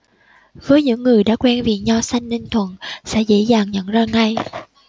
với những người đã quen vị nho xanh ninh thuận sẽ dễ dàng nhận ra ngay